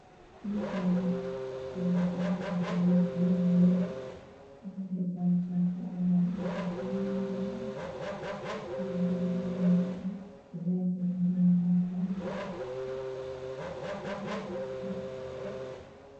Meeshaani waa meel masaajid ah waxaa jooga wiilal badan waxay watan shaatiyo cadaan ah kalarkooduna yahay cadaan